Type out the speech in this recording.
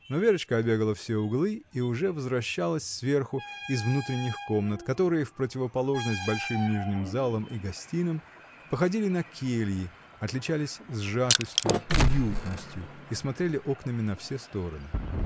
Но Верочка обегала все углы и уже возвращалась сверху, из внутренних комнат, которые, в противоположность большим нижним залам и гостиным, походили на кельи, отличались сжатостью, уютностью и смотрели окнами на все стороны.